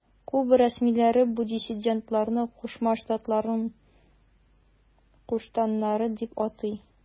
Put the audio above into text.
Куба рәсмиләре бу диссидентларны Кушма Штатларның куштаннары дип атый.